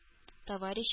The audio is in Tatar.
Товарищ